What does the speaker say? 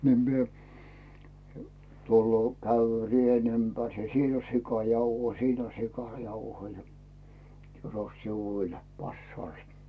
niin minä tulee kävelee reen ympäri ja siinä on - sikarijauhoja ja siinä on sikarijauhoja ja tyros sivuul passaalsta